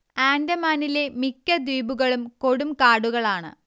ആൻഡമാനിലെ മിക്ക ദ്വീപുകളും കൊടുംകാടുകളാണ്